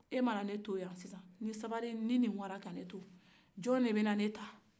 e mana ne to yan sisan ni sabari ni nin wara ka ne to jɔn de bɛ na ne ta